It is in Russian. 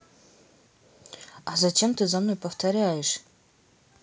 а зачем ты за мной повторяешь